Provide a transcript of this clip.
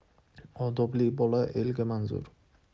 odobli bola elga manzur